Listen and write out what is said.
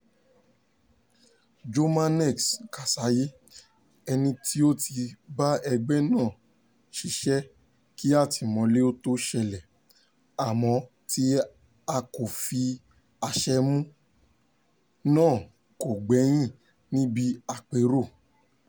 Jomanex Kasaye, ẹni tí ó ti bá ẹgbẹ́ náà ṣiṣẹ́ kí àtìmọ́lé ó tó ṣẹlẹ̀ (àmọ́ tí a kò fi àṣẹ mú) náà kò gbẹ́yìn níbi àpérò.